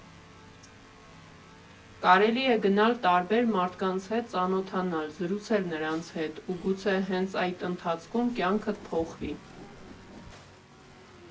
Կարելի է գնալ, տարբեր մարդկանց հետ ծանոթանալ, զրուցել նրանց հետ ու գուցե հենց այդ ընթացքում կյանքդ փոխվի։